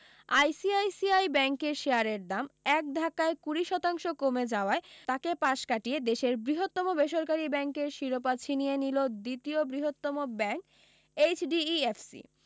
ICICI ব্যাংকের শেয়ারের দাম এক ধাক্কায় কুড়ি শতাংশ কমে যাওয়ায় তাকে পাশ কাটিয়ে দেশের বৃহত্তম বেসরকারি ব্যাংকের শিরোপা ছিনিয়ে নিলো দ্বিতীয় বৃহত্তম ব্যাংক এইচডিইফসি